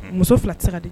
Muso fila tɛ se ka di